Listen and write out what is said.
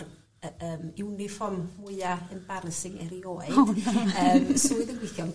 yy yr iwnifform mwya embarasing erioed. O na! Yym swydd yn gwithio yn...